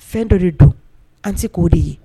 Fɛn dɔ de don an tɛ k' oo de ye